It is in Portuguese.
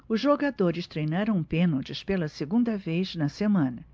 os jogadores treinaram pênaltis pela segunda vez na semana